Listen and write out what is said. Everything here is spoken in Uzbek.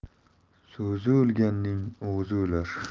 so'zi o'lganning o'zi o'lar